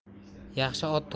yaxshi ot to'rvasini